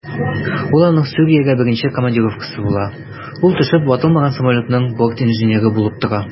Бу аның Сүриягә беренче командировкасы була, ул төшеп ватылган самолетның бортинженеры булып тора.